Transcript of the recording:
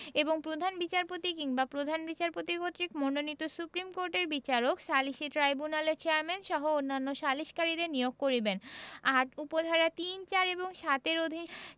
এবং প্রধান বিচারপতি কিংবা প্রধান বিচারপতি কর্তৃক মনোনীত সুপ্রীম কোর্টের বিচারক সালিসী ট্রাইব্যুনালের চেয়ারম্যানসহ অন্যান্য সালিসকারীদের নিয়োগ করিবেন ৮ উপ ধারা ৩ ৪ এবং ৭ এর অধীন